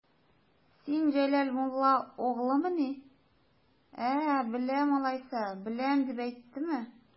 Син Җәләл мулла угълымыни, ә, беләм алайса, беләм дип әйтәме?